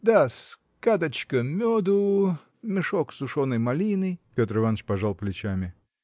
– Да-с: кадочка меду, мешок сушеной малины. Петр Иваныч пожал плечами.